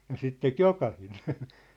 ja sitä teki jokainen